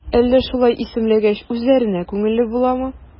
Әллә шулай исемләгәч, үзләренә күңелле буламы?